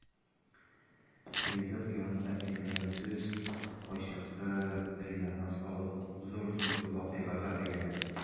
Ризык янында әйтелгән сүз кайчакта резонанс алып зур-зур вакыйгага әйләнә.